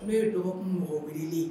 N ye dɔgɔkun mɔgɔ wele ye